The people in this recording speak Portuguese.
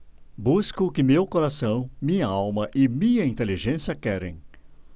busco o que meu coração minha alma e minha inteligência querem